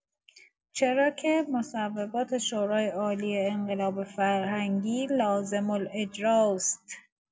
چرا که مصوبات شورای‌عالی انقلاب فرهنگی لازم‌الاجراست.